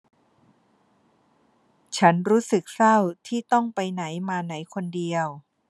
ฉันรู้สึกเศร้าที่ต้องไปไหนมาไหนคนเดียว